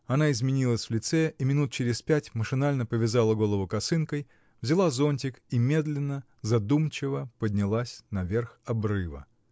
Она изменилась в лице и минут через пять машинально повязала голову косынкой, взяла зонтик и медленно, задумчиво поднялась на верх обрыва.